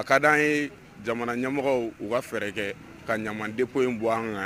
A ka d'an ye jamana ɲɛmɔgɔw u ka fɛɛrɛ kɛ ka ɲama depo in bɔ an kan.